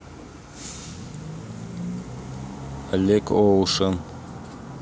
олег ocean